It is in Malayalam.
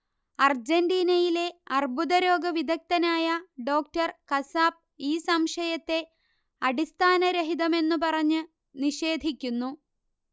അർജന്റീനയിലെ അർബുദരോഗവിദഗ്ദനായ ഡോക്ടർ കസാപ് ഈ സംശയത്തെ അടിസ്ഥാനരഹിതം എന്നു പറഞ്ഞ് നിഷേധിക്കുന്നു